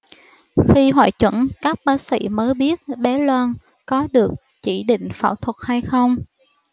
khi hội chẩn các bác sĩ mới biết bé loan có được chỉ định phẫu thuật hay không